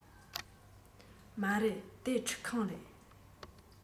མ རེད དེ ཁྲུད ཁང རེད